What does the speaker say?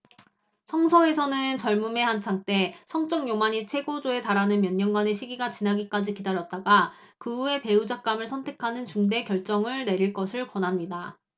따라서 성서에서는 젊음의 한창때 성적 욕망이 최고조에 달하는 몇 년간의 시기 가 지나기까지 기다렸다가 그 후에 배우잣감을 선택하는 중대 결정을 내릴 것을 권합니다